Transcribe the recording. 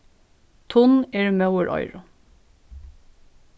tunn eru móður oyru